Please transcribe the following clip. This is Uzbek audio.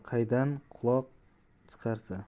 qaydan quloq chiqarsa